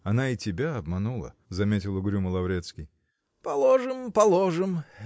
-- Она и тебя обманула, -- заметил угрюмо Лаврецкий. -- Положим, положим